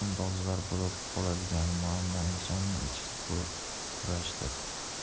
har doim dolzarb bo'lib qoladigan muammo insonning ichki kurashidir